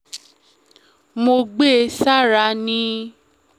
Mo gbe sára ni.”